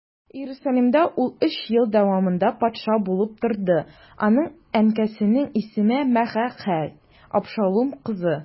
Иерусалимдә ул өч ел дәвамында патша булып торды, аның әнкәсенең исеме Мәгакәһ, Абшалум кызы.